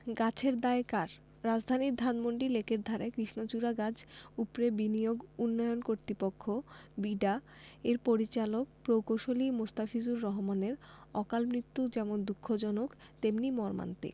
গাছের দায় কার রাজধানীর ধানমন্ডি লেকের ধারে কৃষ্ণচূড়া গাছ উপড়ে বিনিয়োগ উন্নয়ন কর্তৃপক্ষ বিডা এর পরিচালক প্রকৌশলী মোস্তাফিজুর রহমানের অকালমৃত্যু যেমন দুঃখজনক তেমনি মর্মান্তিক